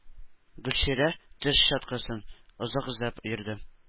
Гөлчирә теш щеткасын озак эзләп йөрде.